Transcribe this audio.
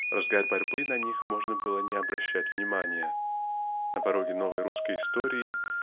В разгар борьбы на них можно было не обращать внимания. На пороге новой русской истории